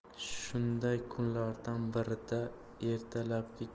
shunday kunlardan birida ertalabki choydan